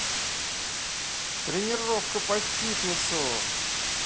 тренировка по фитнесу